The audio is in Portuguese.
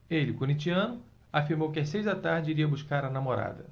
ele corintiano afirmou que às seis da tarde iria buscar a namorada